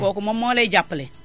kooku moom moo lay jàppale